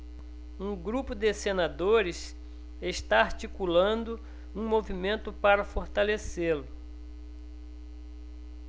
um grupo de senadores está articulando um movimento para fortalecê-lo